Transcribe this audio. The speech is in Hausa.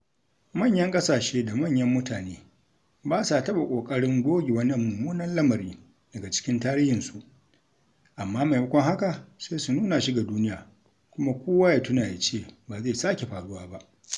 Manyan ƙasashe da manyan mutane ba sa taɓa ƙoƙarin goge wani mummunan lamari daga cikin tarihinsu amma maimakon haka sai su nuna shi ga duniya domin kowa ya tuna ya ce "ba zai sake faruwa ba".